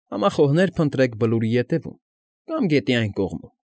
Համախոհներ փնտրեք Բլուրի Ետևում կամ Գետի Այն Կողմում։